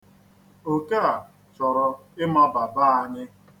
Oke a chọrọ ịmaba be anyị.